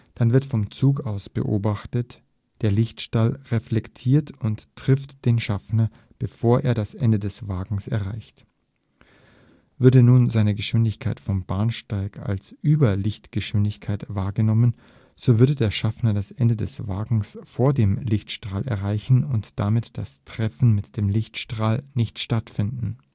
Dann wird vom Zug aus betrachtet der Lichtstrahl reflektiert und trifft den Schaffner, bevor er das Ende des Wagens erreicht. Würde nun seine Geschwindigkeit vom Bahnsteig als Überlichtgeschwindigkeit wahrgenommen, so würde der Schaffner das Ende des Wagens vor dem Lichtstrahl erreichen und damit das Treffen mit dem Lichtstrahl nicht stattfinden